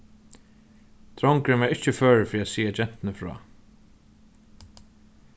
drongurin var ikki førur fyri at siga gentuni frá